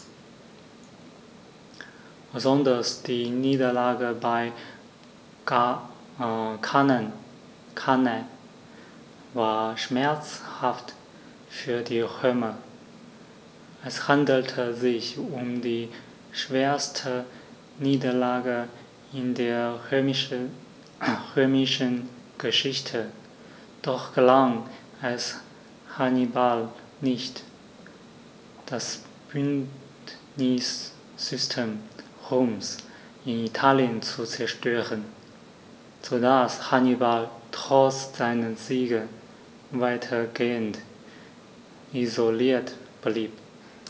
Besonders die Niederlage bei Cannae war schmerzhaft für die Römer: Es handelte sich um die schwerste Niederlage in der römischen Geschichte, doch gelang es Hannibal nicht, das Bündnissystem Roms in Italien zu zerstören, sodass Hannibal trotz seiner Siege weitgehend isoliert blieb.